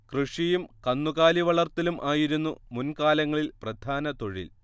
കൃഷിയും കന്നുകാലിവളർത്തലും ആയിരുന്നു മുൻകാലങ്ങളിൽ പ്രധാന തൊഴിൽ